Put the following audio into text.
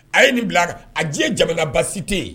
A ye nin bila a a diɲɛ jamana baasisi tɛ yen ye